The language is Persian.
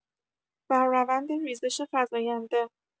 بر روند ریزش فزاینده